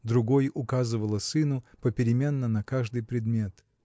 другой указывала сыну попеременно на каждый предмет.